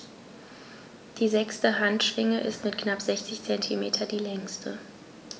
Die sechste Handschwinge ist mit knapp 60 cm die längste.